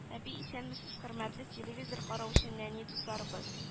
Әби исәнмесез хөрмәтле телевизор караучы нәни дусларыбыз